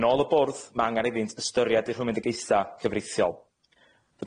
Yn ôl y bwrdd ma' angan iddynt ystyried i rhwymedigaetha cyfreithiol.